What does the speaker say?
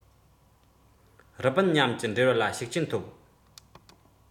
རི པིན མཉམ གྱི འབྲེལ བ ལ ཤུགས རྐྱེན ཐོབ